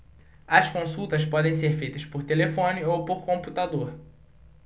as consultas podem ser feitas por telefone ou por computador